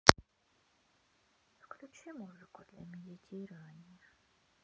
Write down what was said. включи музыку для медитирования